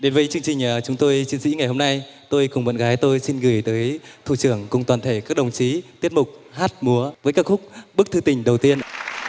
đến với chương trình ờ chúng tôi chiến sĩ ngày hôm nay tôi cùng bạn gái tôi xin gửi tới thủ trưởng cùng toàn thể các đồng chí tiết mục hát múa với ca khúc bức thư tình đầu tiên